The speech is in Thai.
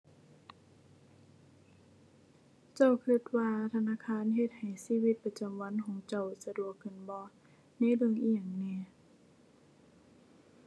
เจ้าคิดว่าธนาคารเฮ็ดให้ชีวิตประจำวันของเจ้าสะดวกขึ้นบ่ ในเรื่องอิหยังแหน่